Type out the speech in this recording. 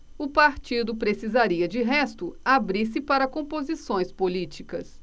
o partido precisaria de resto abrir-se para composições políticas